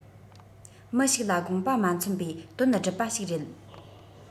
མི ཞིག ལ དགོངས པ མ ཚོམ པའི དོན བསྒྲུབ པ ཞིག རེད